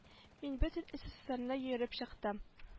Мин бөтен сссрны йөреп чыктым